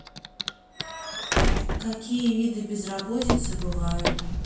какие виды безработицы бывают